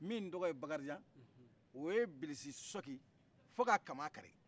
min tɔgɔ ye bakarijan o ye bilisi sɔki fo k'a kaman kari